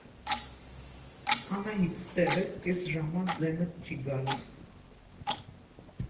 Անահի՜տ, ստեղ ե՞ս, կես ժամ ա՝ ձենդ չի գալիս։